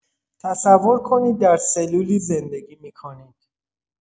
تصور کنید در سلولی زندگی می‌کنید.